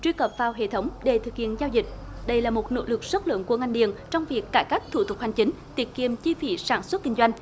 truy cập vào hệ thống để thực hiện giao dịch đây là một nội lực rất lớn của ngành điện trong việc cải cách thủ tục hành chính tiết kiệm chi phí sản xuất kinh doanh